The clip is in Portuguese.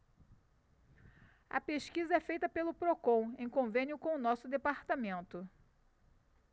a pesquisa é feita pelo procon em convênio com o diese